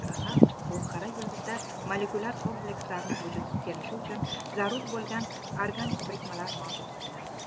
rhaq bu xira yulduzda molekulyar komplekslarning vujudga kelishi uchun zarur bo'lgan organik birikmalar mavjudligini